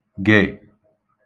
gè